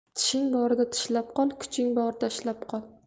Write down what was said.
tishing borida tishlab qol kuching borida ishlab qol